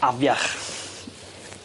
Afiach.